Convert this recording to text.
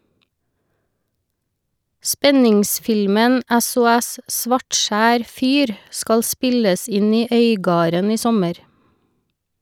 Spenningsfilmen "SOS - Svartskjær fyr" skal spilles inn i Øygarden i sommer.